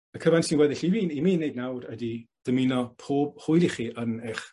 Y cyfan sy'n weddill i mi i mi neud nawr ydi dymuno pob hwyl i chi yn 'ych